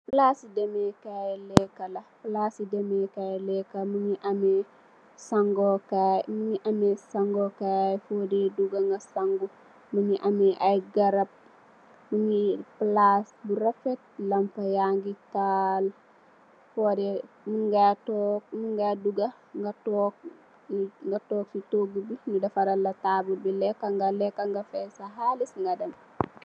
Palaci deme kai leka la palaci deme kai leka la mogi ameh sangu kai mogi ameh sangu kai fo de duga nga sangu mogi ameh aii garab li palac bu refet lampa yangi taal fode mung ga tog mung nga duga nga tog si togu bi nyu defar la tabul bi leka nga leka nga faay sa xaliss nga dem.